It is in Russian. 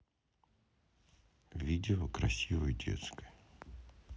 видео красивой детской